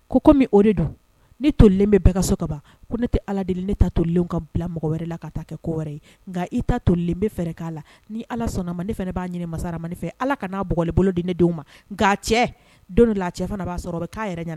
Ko komi o de don ne tolen bɛ ka so ka ban ko ne tɛ ala deli ne ta tolen ka bila wɛrɛ la ka taa kɛ ko wɛrɛ ye nka i ta tolen bɛ fɛ k'a la ni ala sɔnna ne fana b'a ɲini masara ma ne fɛ ala kana n'a blibolo di ne denw ma nka cɛ don la cɛ fana b'a sɔrɔ k'a yɛrɛ